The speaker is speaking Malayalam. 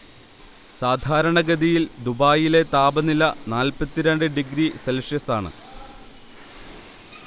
സാധാരണഗതിയിൽ ദുബായിലെ താപനില നാൽപ്പത്തിരണ്ട് ഡിഗ്രി സെൽഷ്യസാണ്